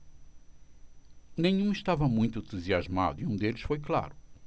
nenhum estava muito entusiasmado e um deles foi claro